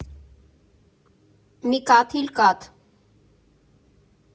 Մի կաթիլ կաթ։